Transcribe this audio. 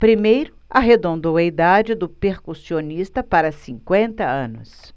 primeiro arredondou a idade do percussionista para cinquenta anos